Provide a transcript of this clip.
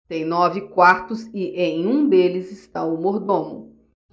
tem nove quartos e em um deles está o mordomo